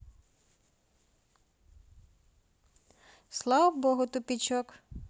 слава богу тупичок